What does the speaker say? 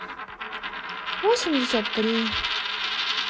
восемьдесят три